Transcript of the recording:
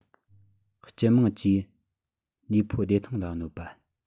སྤྱི དམངས ཀྱི ལུས ཕུང བདེ ཐང ལ གནོད པ